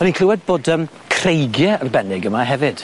O'n i'n clywed bod yym creigie arbennig yma hefyd.